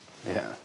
Ie.